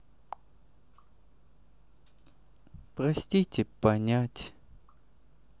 простите понять